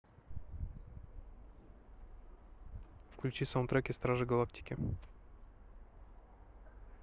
включи саундтреки стражи галактики